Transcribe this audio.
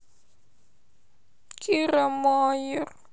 кира майер